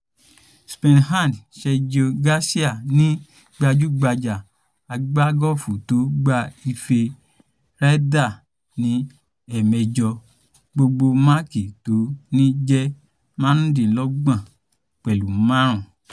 Spaniard Sergio Garcia ni gbajúgbajà agbágọ́ọ̀fù tó gba ife Ryder ní ẹẹ̀mẹjọ. Gbogbo máàkì tó ní jẹ́ 25.5.